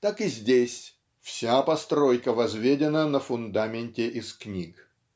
так и здесь вся постройка возведена на фундаменте из книг.